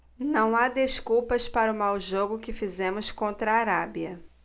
não há desculpas para o mau jogo que fizemos contra a arábia